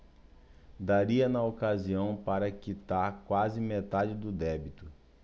daria na ocasião para quitar quase metade do débito